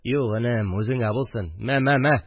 Юк, энем, үзеңә булсын, мә, мә, мә